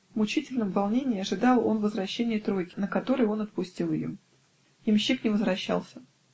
В мучительном волнении ожидал он возвращения тройки, на которой он отпустил ее. Ямщик не возвращался.